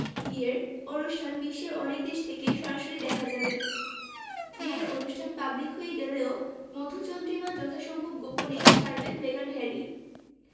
বিয়ের অনুষ্ঠান বিশ্বের অনেক দেশ থেকেই সরাসরি দেখা যাবে বিয়ের অনুষ্ঠান পাবলিক হয়ে গেলেও মধুচন্দ্রিমা যথাসম্ভব গোপনেই সারবেন মেগান হ্যারি